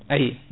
ayi